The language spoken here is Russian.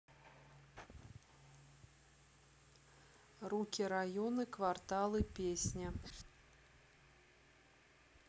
руки районы кварталы песня